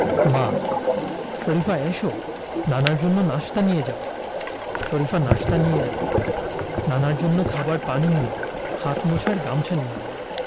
তুই যদি ওকেও তখন আরব দেশে নিয়ে যেতে পারিস পারবি না পারব না কেন আগে আমি যাই তো খোকন বাদশার সঙ্গে বাইরের ঘরে শোয়